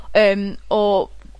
yym o